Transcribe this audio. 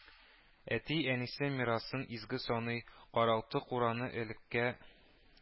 Әти-әнисе мирасын изге саный, каралты-кураны элекке